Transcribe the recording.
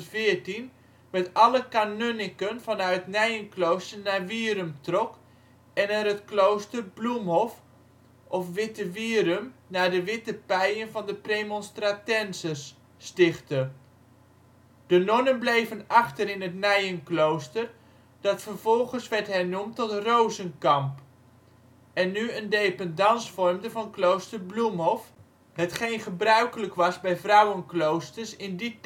1213 en 1214 met alle kanunniken vanuit Nijenklooster naar Wierum trok en er het Klooster Bloemhof (of Wittewierum; naar de witte pijen van de Premonstratenzers) stichtte. De nonnen bleven achter in het Nijenklooster, dat vervolgens werd hernoemd tot Rozenkamp (Latijn: Campus Rosarum) en nu een dependance vormde van Klooster Bloemhof, hetgeen gebruikelijk was bij vrouwenkloosters in die tijd